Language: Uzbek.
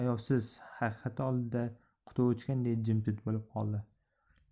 ayovsiz haqiqati oldida quti o'chganday jim jit bo'lib qoldi